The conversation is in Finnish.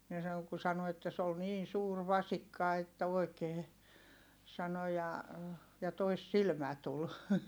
niin sanoi kun sanoi että se oli niin suuri vasikka että oikein sanoi ja ja toissilmä tuli